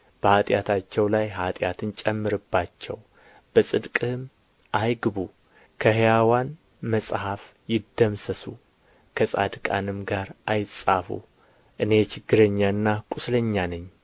በኃጢአታቸው ላይ ኃጢአትን ጨምርባቸው በጽድቅህም አይግቡ ከሕያዋን መጽሐፍ ይደምሰሱ ከጻድቃንም ጋር አይጻፉ እኔ ችግረኛና ቍስለኛ ነኝ